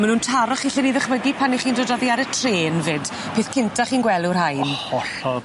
Ma' nw'n taro chi 'llen i ddychmygu pan 'ych chi'n dod oddi ar y trên 'fyd. Peth cynta chi'n gwel' yw'r rhain. O hollol.